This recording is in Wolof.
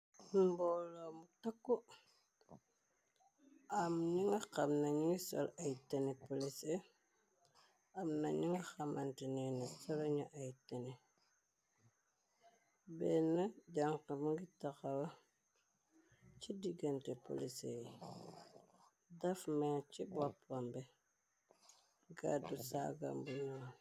Mbooloo mu takku am ñu nga xam nañuy sol ay tani polise. Am nañu nga xamanteneene solo ñu ay teni benn. Jànx b ngi taxaw ci digante polise yi daf ma ci boppambe gàddu saaga buñoo.